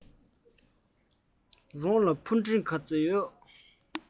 རང ལ ཕུ འདྲེན ག ཚོད ཡོད